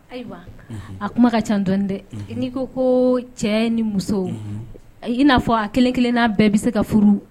Ayiwa a kuma ka ca dɔn dɛ n'i ko ko cɛ ni muso in n'a fɔ a kelen kelen' bɛɛ bɛ se ka furu